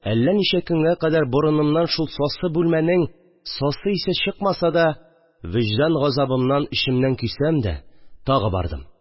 Әллә ничә көнгә кадәр борынанным шул сасы б үлмәнең сасы исе чыкмаса да, вөҗдан газабымнан эчемнән көйсәм дә, тагы бардым